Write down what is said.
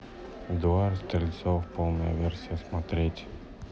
эдуард стрельцов полная версия смотреть